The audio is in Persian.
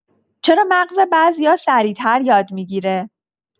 چرا مغز بعضیا سریع‌تر یاد می‌گیره؟